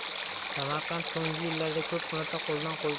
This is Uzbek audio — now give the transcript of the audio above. samarqand so'nggi yillarda ko'p marta qo'ldan qo'lga